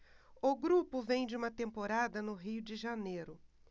o grupo vem de uma temporada no rio de janeiro